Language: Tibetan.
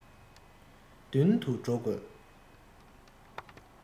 མདུན དུ འགྲོ དགོས